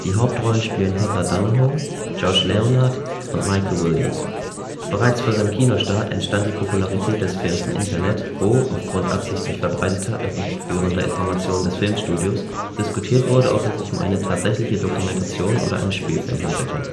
Hauptrollen spielten Heather Donahue, Josh Leonard und Michael Williams. Bereits vor seinem Kinostart entstand die Popularität des Films im Internet, wo – aufgrund absichtlich verbreiteter irreführender Informationen des Filmstudios – diskutiert wurde, ob es sich um eine tatsächliche Dokumentation oder einen Spielfilm handelte